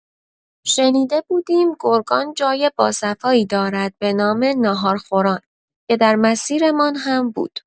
شنیده بودیم گرگان جای با صفایی دارد به نام ناهارخوران که در مسیرمان هم بود.